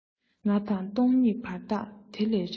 ང དང སྟོང ཉིད བར ཐག དེ ལས རིང